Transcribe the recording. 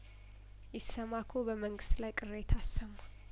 ኢሰማኮ በመንግስት ላይ ቅሬታ አሰማ